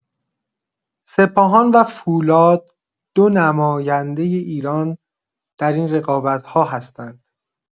سپاهان و فولاد دو نماینده ایران در این رقابت‌ها هستند.